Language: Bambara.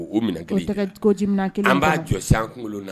An b'a jɔsi an kunkolo na